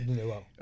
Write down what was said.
dundee waaw